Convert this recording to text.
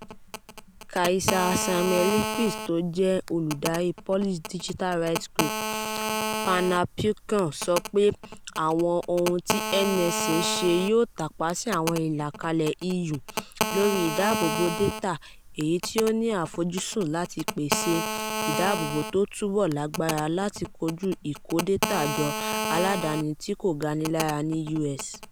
Kasia Szymielewicz, tó jẹ́ olùdarí Polish digital rights group Panoptykon sọ pe, àwọn ohun tí NSA ṣe yóò tàpá sí àwọn ìlàkalẹ̀ EU lóri ìdáàbòbò data, èyí tí ó ní àfojúsùn láti pèsè ìdáàbòbò tó tùbọ̀ làgbára láti kojú ìkó data jọ aládani tí kò ganilára ní US